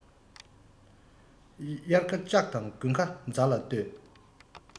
དབྱར ཁ ལྕགས དང དགུན ཁ རྫ ལ ལྟོས